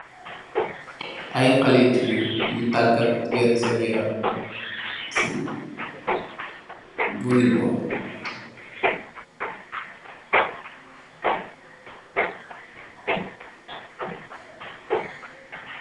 Ay xaleh gigeen yûúy tagat sèèn yaram ci poh muñ xameh ci volleyball.